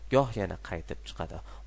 goh yana qaytib chiqadi